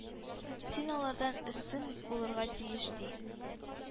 Син алардан өстен булырга тиеш!“ — ди.